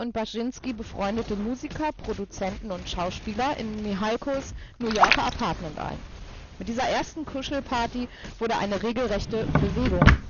Bazynski befreundete Musiker, Produzenten und Schauspieler in Mihalkos New Yorker Apartment ein. Mit dieser ersten Kuschelparty wurde eine regelrechte " Bewegung